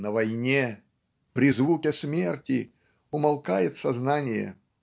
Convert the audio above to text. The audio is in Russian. На войне, "при звуке смерти", умолкает сознание.